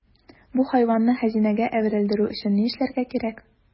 Бу хайванны хәзинәгә әверелдерү өчен ни эшләргә кирәк?